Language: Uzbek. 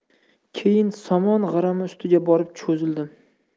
keyin somon g'arami ustiga borib cho'zildim